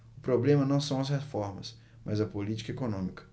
o problema não são as reformas mas a política econômica